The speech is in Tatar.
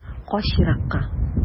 Кач еракка.